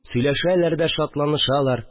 Сөйләшәләр дә шатланышалар